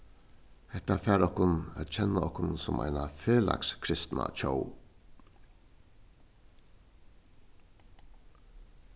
hetta fær okkum at kenna okkum sum eina felags kristna tjóð